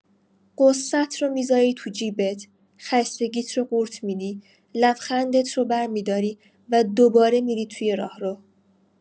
غصه‌ت رو می‌ذاری تو جیبت، خستگی‌ت رو قورت می‌دی، لبخندت رو برمی‌داری و دوباره می‌ری توی راهرو.